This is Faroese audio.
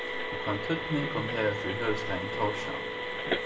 og hvønn týdning hon hevur fyri høvuðsstaðin tórshavn